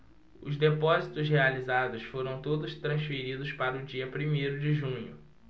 os depósitos realizados foram todos transferidos para o dia primeiro de junho